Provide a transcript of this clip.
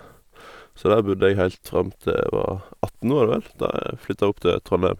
Så der bodde jeg heilt fram til jeg var atten, var det vel, da jeg flytta opp til Trondheim.